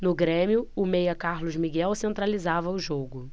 no grêmio o meia carlos miguel centralizava o jogo